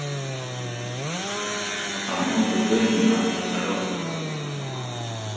hann undir dýnuna er kropin